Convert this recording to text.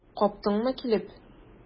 Каптыңмы килеп?